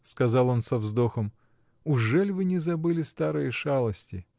— сказал он со вздохом, — ужели вы не забыли старые шалости?